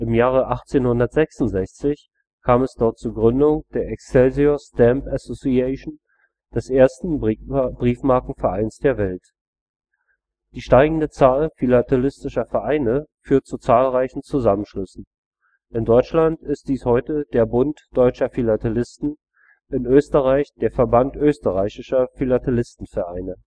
Jahre 1866 kam es dort zur Gründung der Excelsior Stamp Association, des ersten Briefmarkenvereins der Welt. Die steigende Zahl philatelistischer Vereine führte zu zahlreichen Zusammenschlüssen. In Deutschland ist dies heute der Bund Deutscher Philatelisten, in Österreich der Verband Österreichischer Philatelistenvereine